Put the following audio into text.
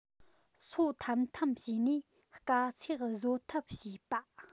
སོ ཐམ ཐམ བྱས ནས དཀའ ཚེགས བཟོད ཐབས བྱེད པ